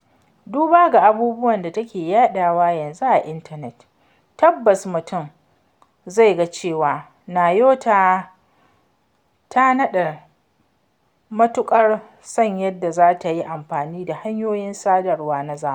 Duba ga abubuwan da take yaɗawa yanzu a Intanet, tabbas mutum zai ga cewa, Nyota ta nada matuƙar san yadda za ta yi amfani da hanyoyin sadarwa na zamani.